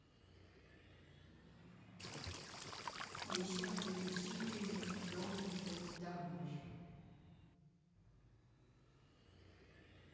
десятую серию долгий путь домой